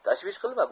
tashvish qilma